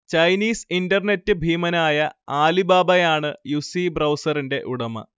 Chinese internet ഭീമനായ ആലിബാബയാണ് UC ബ്രൗസറിന്റെ ഉടമ